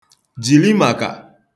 jìli màkà